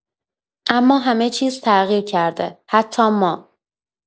اما همه‌چیز تغییر کرده، حتی ما.